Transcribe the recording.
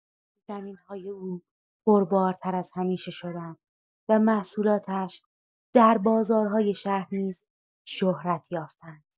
زمین‌های او پربارتر از همیشه شدند و محصولاتش در بازارهای شهر نیز شهرت یافتند.